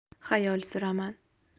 xayol suraman